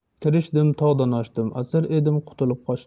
tirishdim tog'dan oshdim asir edim qutulib qochdim